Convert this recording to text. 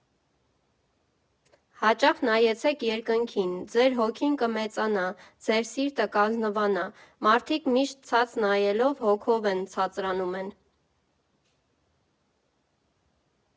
…հաճախ նայեցեք երկնքին։ Ձեր հոգին կմեծանա, ձեր սիրտը կազնվանա։ Մարդիկ միշտ ցած նայելով՝ հոգով են ցածրանում են…